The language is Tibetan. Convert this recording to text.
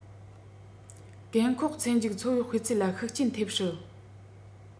རྒན འཁོགས ཚེ མཇུག འཚོ བའི སྤུས ཚད ལ ཤུགས རྐྱེན ཐེབས སྲིད